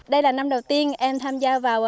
đây là năm đầu tiên em tham gia vào